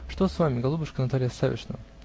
-- Что с вами, голубушка Наталья Савишна?